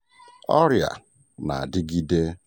Ọrịa Na-Adịgide